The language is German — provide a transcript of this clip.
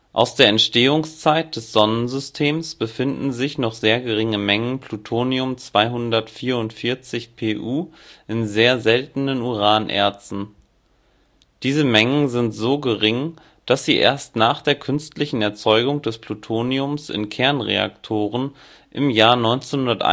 Aus der Entstehungszeit des Sonnensystems befinden sich noch sehr geringe Mengen Plutonium 244Pu in sehr seltenen Uranerzen. Diese Mengen sind so gering, dass sie erst nach der künstlichen Erzeugung des Plutoniums in Kernreaktoren im Jahr 1971